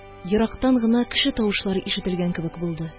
Ерактан гына кеше тавышлары ишетелгән кебек булды